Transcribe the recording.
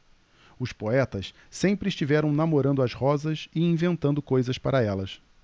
os poetas sempre estiveram namorando as rosas e inventando coisas para elas